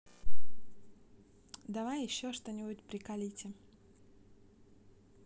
давай еще что нибудь приколите